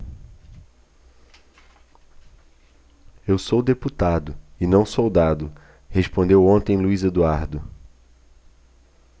eu sou deputado e não soldado respondeu ontem luís eduardo